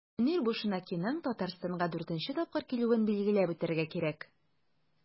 Мөнир Бушенакиның Татарстанга 4 нче тапкыр килүен билгеләп үтәргә кирәк.